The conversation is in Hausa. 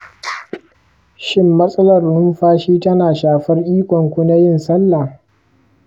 shin matsalar numfashi tana shafar ikonku na yin sallah?